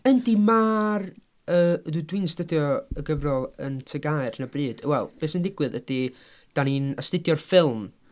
Yndi mae'r y d- dwi'n astudio y gyfrol yn TGAU ar hyn o bryd, wel be' sy'n digwydd ydy dan ni'n astudio'r ffilm.